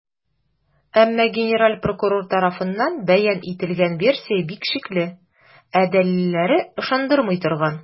Әмма генераль прокурор тарафыннан бәян ителгән версия бик шикле, ә дәлилләре - ышандырмый торган.